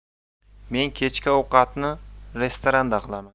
men kechki ovqatni restoranda qilaman